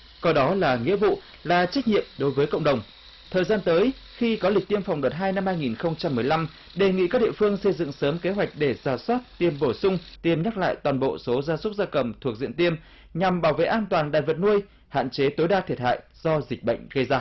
coi đó là nghĩa vụ là trách nhiệm đối với cộng đồng thời gian tới khi có lịch tiêm phòng đợt hai năm hai nghìn không trăm mười lăm đề nghị các địa phương xây dựng sớm kế hoạch để rà soát tiêm bổ sung tiêm nhắc lại toàn bộ số gia súc gia cầm thuộc diện tiêm nhằm bảo vệ an toàn để vật nuôi hạn chế tối đa thiệt hại do dịch bệnh gây ra